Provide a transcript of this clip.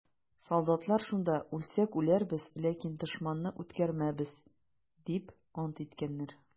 Солдатлар шунда: «Үлсәк үләрбез, ләкин дошманны үткәрмәбез!» - дип ант иткәннәр.